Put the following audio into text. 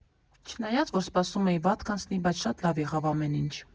Չնայած, որ սպասում էի վատ կանցնի, բայց շատ լավ եղավ ամեն ինչ։